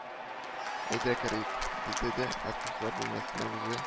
Әйдә, керик! — диде дә артистлар бүлмәсенә үзе